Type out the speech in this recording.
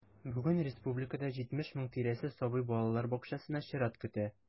Бүген республикада 70 мең тирәсе сабый балалар бакчасына чират көтә.